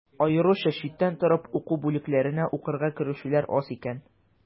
Аеруча читтән торып уку бүлекләренә укырга керүчеләр аз икән.